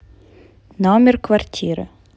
номер квартиры